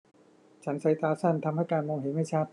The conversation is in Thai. ฉันสายตาสั้นทำให้การมองเห็นไม่ชัด